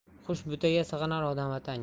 qush butaga sig'inar odam vatanga